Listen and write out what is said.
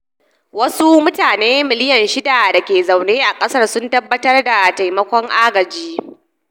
Wasu mutane miliyan shida da ke zaune a kasar su na bukatar taimakon agaji.